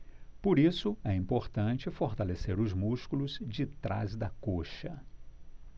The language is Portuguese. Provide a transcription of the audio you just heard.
por isso é importante fortalecer os músculos de trás da coxa